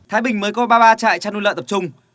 thái bình mới có ba ba trại chăn nuôi lợn tập trung